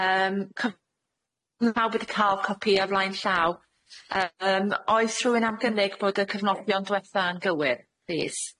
Yym cyf- ma' pawb wedi ca'l copia flaen llaw yy yym oes rhywun am gynnig bod y cyfnodion dwetha yn gywir plîs?